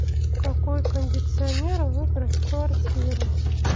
какой кондиционер выбрать в квартиру